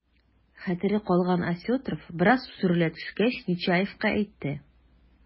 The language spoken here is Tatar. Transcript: Хәтере калган Осетров, бераз сүрелә төшкәч, Нечаевка әйтте: